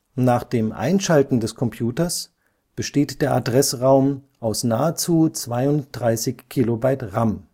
Nach dem Einschalten des Computers besteht der Adressraum aus nahezu 32 KB RAM